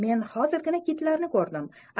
men hozirgina kitlarni ko'rdim